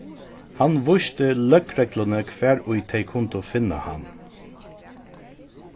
hann vísti løgregluni hvar ið tey kundu finna hann